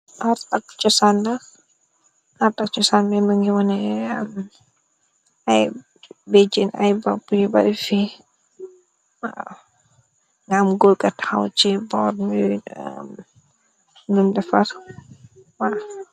Adda ak chossan la nyugui wonne aye mbegjen aye boppou you barri fi am gorr nga tahaw ci borram di deffar